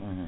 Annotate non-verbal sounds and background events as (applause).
(hesitation) (hesitation)